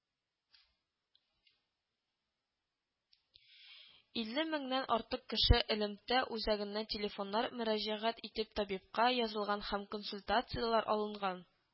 Илле меңнән артык кеше Элемтә үзәгенә телефоннар мөрәҗәгать итеп табибка язылган һәм консультациялар алынган